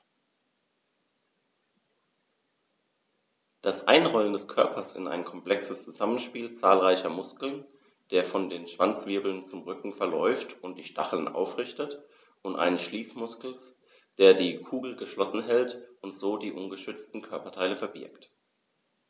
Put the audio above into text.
Das Einrollen des Körpers ist ein komplexes Zusammenspiel zahlreicher Muskeln, der von den Schwanzwirbeln zum Rücken verläuft und die Stacheln aufrichtet, und eines Schließmuskels, der die Kugel geschlossen hält und so die ungeschützten Körperteile verbirgt.